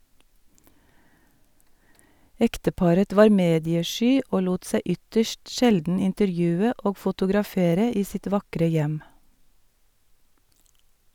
Ekteparet var mediesky og lot seg ytterst sjelden intervjue og fotografere i sitt vakre hjem.